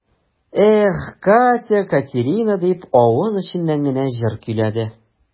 Эх, Катя-Катерина дип, авыз эченнән генә җыр көйләде.